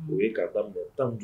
O ye ka mɔ tan jɔ